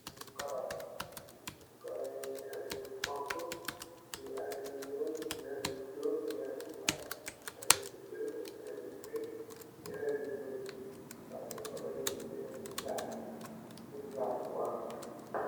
Li colour la munge am lu xong khu lu bulah lu werta lu nyul ak lu neteh colour la yi nyung ku dafsi sac